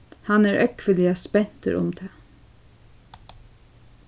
hann er ógvuliga spentur um tað